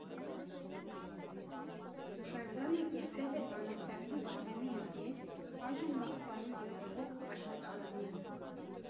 Հուշարձանը կերտել է բանաստեղծի վաղեմի ընկեր, այժմ Մոսկվայում բնակվող Աշոտ Արամյանը։